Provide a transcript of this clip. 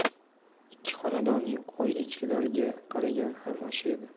ikki xonadonning qo'y echkilariga qaragan ham o'sha edi